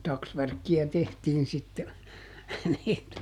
taksvärkkiä tehtiin sitten niin että